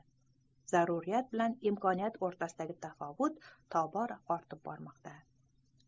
zaruriyat bilan imkoniyat o'rtasidagi tafovut tobora ortib bormoqda